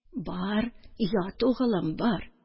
Бар, ят, угылым, бар